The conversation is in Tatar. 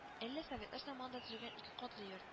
Әллә советлар заманында төзелгән ике катлы йорт